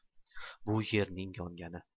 bu yerning yongani